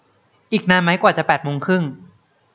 อีกนานไหมกว่าจะแปดโมงครึ่ง